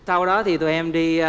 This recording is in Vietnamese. sau đó thì tụi em đi